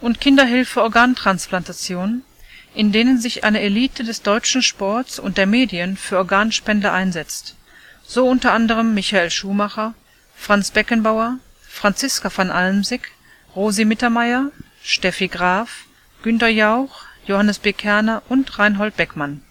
“und „ Kinderhilfe Organtransplantation “, in denen sich eine Elite des deutschen Sports und der Medien für Organspende einsetzt, so unter anderen Michael Schumacher, Franz Beckenbauer, Franziska van Almsick, Rosi Mittermaier, Steffi Graf, Günther Jauch, Johannes B. Kerner und Reinhold Beckmann